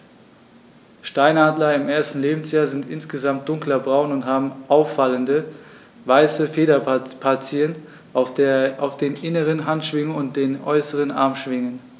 Steinadler im ersten Lebensjahr sind insgesamt dunkler braun und haben auffallende, weiße Federpartien auf den inneren Handschwingen und den äußeren Armschwingen.